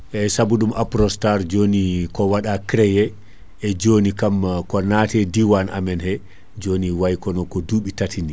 eyyi saabu ɗum Aprostar joni eyyi joni kam ko naate diwan amen he joni way kono ko duuɓi taati ni